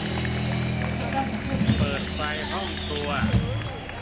เปิดไฟห้องครัว